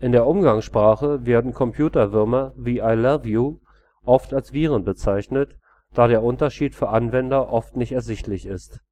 der Umgangssprache werden Computerwürmer wie „ I Love You “oft als Viren bezeichnet, da der Unterschied für Anwender oft nicht ersichtlich ist